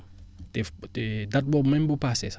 te fu te date boobu même bu passée sax